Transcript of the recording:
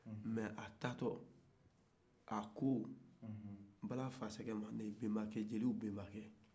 mais a taatɔ a ko balafasɛgɛ ma ne bɛbakɛ jeliw bɛbakɛ